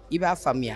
I b'a faamuyaya